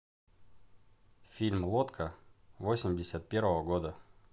фильм лодка восемьдесят первого года